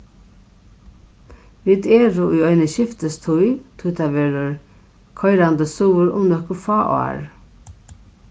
vit eru í eini skiftistíð tí tað verður koyrandi suður um nøkur fá ár